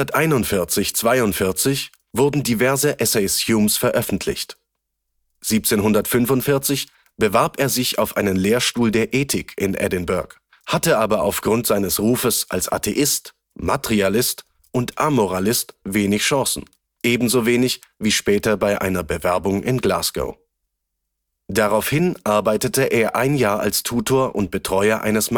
1741 / 42 wurden diverse Essays Humes veröffentlicht. 1745 bewarb er sich auf einen Lehrstuhl der Ethik in Edinburgh, hatte aber auf Grund seines Rufes als „ Atheist “,„ Materialist “und „ Amoralist “wenig Chancen, ebenso wenig wie später bei einer Bewerbung in Glasgow. Daraufhin arbeitete er ein Jahr als Tutor und Betreuer eines